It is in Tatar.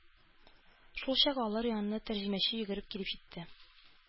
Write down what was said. Шулчак алар янына тәрҗемәче йөгереп килеп җитте.